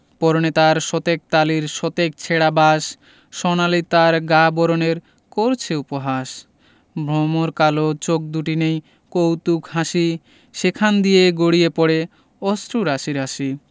পরনে তার শতেক তালির শতেক ছেঁড়া বাস সোনালি তার গা বরণের করছে উপহাস ভমরকালো চোখ দুটি নেই কৌতুকহাসি সেখান দিয়ে গড়িয়ে পড়ে অশ্রু রাশি রাশি